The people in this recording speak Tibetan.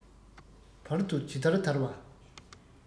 བར དུ ཇི ལྟར དར བ